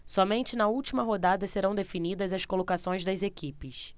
somente na última rodada serão definidas as colocações das equipes